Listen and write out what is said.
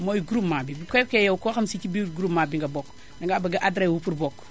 mooy groupement bi bu fekkee yow koo xam si biir groupement bi nga bokk dangaa bëgg a adhéré wu pour bokk